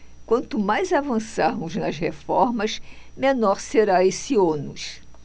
quanto mais avançarmos nas reformas menor será esse ônus